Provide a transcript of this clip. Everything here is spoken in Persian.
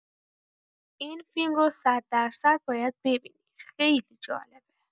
این فیلم رو صددرصد باید ببینی، خیلی جالبه!